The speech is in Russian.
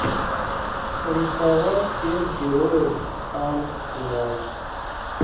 рисовать всех героев ам ням